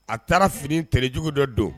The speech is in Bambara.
A taara fini tjugu dɔ don